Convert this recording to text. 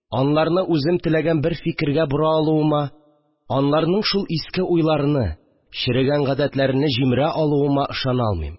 Анларны үзем теләгән бер фикергә бора алуыма, аларның шул иске уйларыны, черегән гадәтләрене җимерә алуыма ышана алмыйм